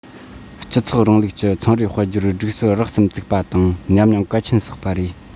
སྤྱི ཚོགས རིང ལུགས ཀྱི ཚོང རའི དཔལ འབྱོར སྒྲིག སྲོལ རགས ཙམ བཙུགས པ དང ཉམས མྱོང གལ ཆེན བསགས པ རེད